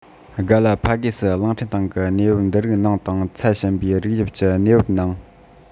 སྒ ལ ཕ དགེ སི གླིང ཕྲན སྟེང གི གནས བབ འདི རིགས ནང དང ཚད ཞན པའི རིགས དབྱིབས ཀྱི གནས བབ ནང